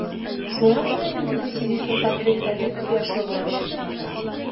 Шуңа күрә минем Василисам портретта бик кояшлы булып чыкканмы?